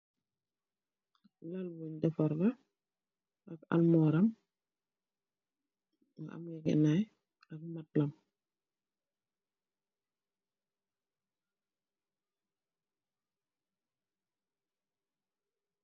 Lal buñg defar la ak almuwaar am.M u ngi ñegenaay ak matla.